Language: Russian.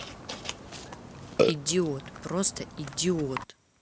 идиот просто идиот